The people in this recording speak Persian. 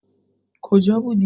کجا بودی؟